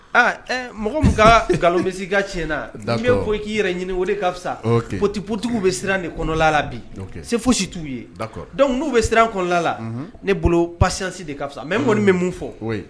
Aa ɛɛ mɔgɔ min kaa galon be s'i ka tiɲɛ na d'accord ne e ko i k'i yɛrɛ ɲini o de ka fisa ook politi politique be siran de kɔnɔla la bi ok se fosi t'u ye d'accord donc n'u be siran kɔɔnla la unhun ne bolo patience de ka fisa mais ŋɔni bɛ mun fɔ oui